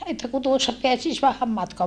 että kun tuossa pääsisi vähän matkaa